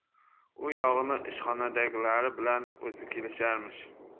u yog'ini ishxonadagilari bilan o'zi kelisharmish